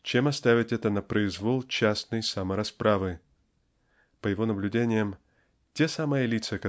чем оставить это на произвол частной саморасправы". По его наблюдениям "те самые лица